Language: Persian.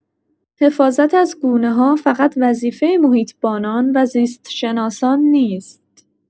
حفاظت از گونه‌ها فقط وظیفه محیط‌بانان و زیست‌شناسان نیست.